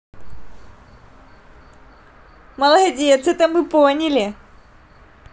молодец это мы поняли